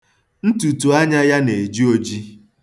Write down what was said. Ntụ̀tụ̀anya ya na-eji oji.